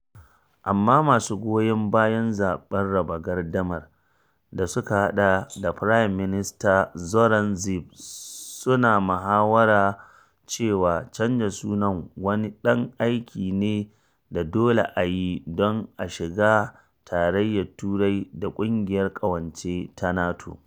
Amma, masu goyon bayan zaɓen raba gardamar, da suka haɗa da Firaminista Zoran Zaev, suna mahawara cewa canza sunan wani ɗan aiki ne da dole a yi don a shiga Tarayyar Turai da Ƙungiyar Ƙawance ta NATO.